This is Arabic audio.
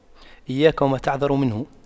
إياك وما يعتذر منه